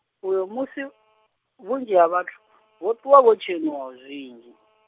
uyo musi, vhunzhi ha vhathu , vho ṱuwa vho tshenuwa zwinzhi.